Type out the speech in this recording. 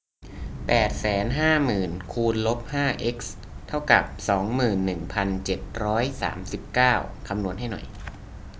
แปดแสนห้าหมื่นคูณลบห้าเอ็กซ์เท่ากับสองหมื่นหนึ่งพันเจ็ดร้อยสามสิบเก้าคำนวณให้หน่อย